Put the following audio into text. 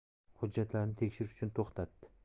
hujjatlarini tekshirish uchun to'xtatdi